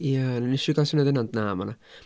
Ie, wnes i gael y syniad yna ond na ma' 'na....